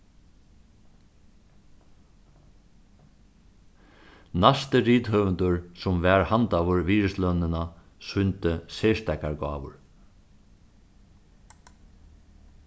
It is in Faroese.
næsti rithøvundur sum varð handaður virðislønina sýndi serstakar gávur